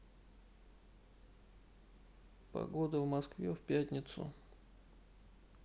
погода в москве в пятницу